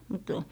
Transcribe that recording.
mutta